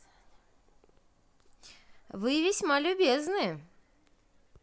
вы весьма любезны